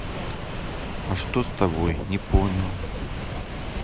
а что с тобой не понял